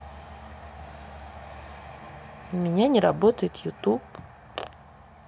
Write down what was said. у меня не работает youtube